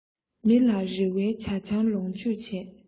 མི ལ རེ བའི ཇ ཆང ལོངས སྤྱོད ལས